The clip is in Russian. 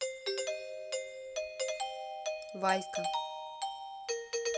валька